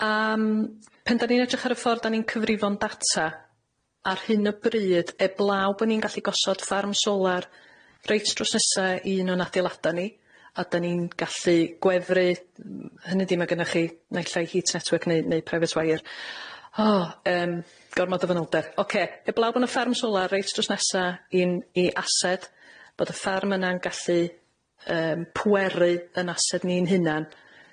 Yym, pan 'da ni'n edrych ar y ffor' da ni'n cyfrifon data, ar hyn o bryd 'eblaw bo' ni'n gallu gosod ffarm solar reit drws nesa i un o'n adeilada ni a 'dan ni'n gallu gwefru m- hynny 'di ma' gynnoch chi naill ai heat network neu neu private wire o yym gormod o fanylder. Ocê, 'eblaw bo' 'na ffarm solar reit drws nesa i'n i ased bod y ffarm yna'n gallu yym pweru yn ased ni'n hunan,